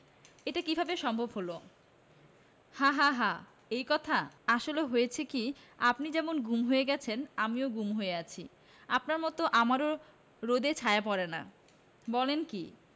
এটা কীভাবে সম্ভব হলো হা হা হা এই কথা আসলে হয়েছে কি আপনি যেমন গুম হয়ে গেছেন আমিও গুম হয়ে আছি আপনার মতো আমারও রোদে ছায়া পড়ে না